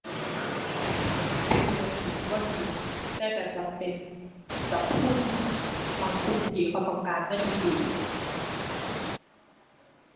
เป็นเรื่องที่บ่ดีแต่ก็จำเป็นกับคนบางกลุ่มที่เขาต้องการเงินอีหลี